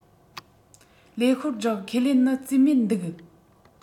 ལས ཤོར སྒྲག ཁས ལེན ནི རྩིས མེད འདུག